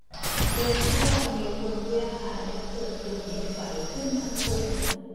เดินเข้าไปในพงหญ้าแล้วเกิดตุ่มเม็ดไฝขึ้นทั้งตัว